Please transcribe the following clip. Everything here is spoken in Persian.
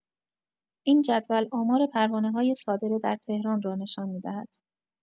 این جدول آمار پروانه‌های صادره در تهران را نشان می‌دهد.